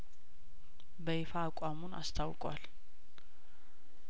በይፋ አቋሙን አስታውቋል